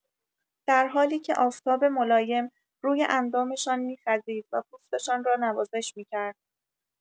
در حالی که آفتاب ملایم روی اندامشان می‌خزید و پوستشان را نوازش می‌کرد.